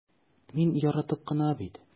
Мин яратып кына бит...